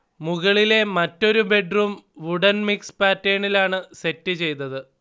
മുകളിലെ മെറ്റാരു bedroom wooden mix പാറ്റേണിലാണ് സെറ്റ് ചെയ്തത്